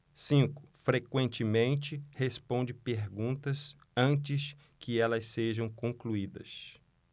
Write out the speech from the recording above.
cinco frequentemente responde perguntas antes que elas sejam concluídas